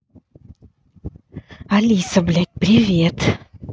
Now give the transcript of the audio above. алиса блять привет